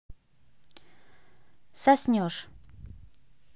соснешь